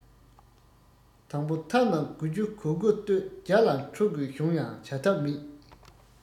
དང པོ ཐབས རྣམས དགུ བཅུ གོ དགུ གཏོད བརྒྱ ལ འཁྲུག དགོས བྱུང ཡང བྱ ཐབས མེད